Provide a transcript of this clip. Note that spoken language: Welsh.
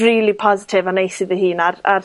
rili positif o neis i fy hun ar ar